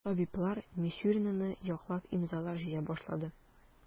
Табиблар Мисюринаны яклап имзалар җыя башлады.